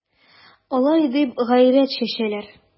Алай дип гайрәт чәчәләр...